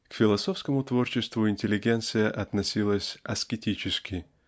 К философскому творчеству интеллигенция относилась аскетически